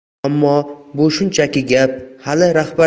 ammo bu shunchaki gap hali